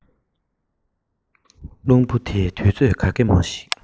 རླུང བུ དེས དུས ཚོད ག གེ མོ ཞིག